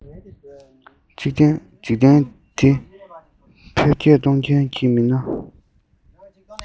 འཇིག རྟེན འདི འཕེལ རྒྱས གཏོང མཁན གྱི མི སྣ